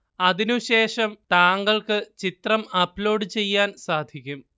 അതിനുശേഷം താങ്കള്‍ക്ക് ചിത്രം അപ്ലോഡ് ചെയ്യാന്‍ സാധിക്കും